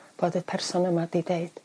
bod y person yma 'di deud